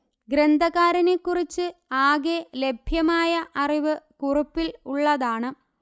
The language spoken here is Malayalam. ഗ്രന്ഥകാരനെക്കുറിച്ച് ആകെ ലഭ്യമായ അറിവ് കുറിപ്പിൽ ഉള്ളതാണ്